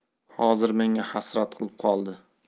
hozir menga hasrat qilib qoldi